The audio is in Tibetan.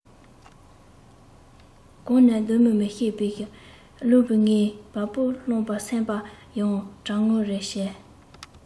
གང ནས ལྡང མིན མི ཤེས པའི རླུང བུས ངའི བ སྤུ བསླངས པས སེམས པ ཡང གྲང འུར རེ བྱས